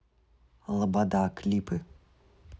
лобода клипы